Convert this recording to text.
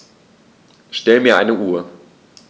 Stell mir eine Uhr.